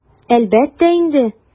Әлбәттә инде!